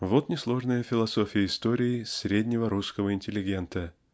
-- вот несложная философия истории среднего русского интеллигентства.